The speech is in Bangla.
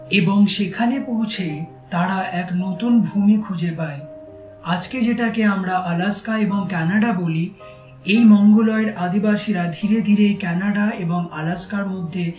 সেখানে পৌঁছেই তারা এক নতুন ভূমি খুঁজে পায় আজকে আমরা যেটাকে আলাস্কা এবং কানাডা বলি এই মঙ্গোলয়েড আদিবাসীরা ধীরে ধীরে ক্যানাডা এবং আলাস্কার মধ্যে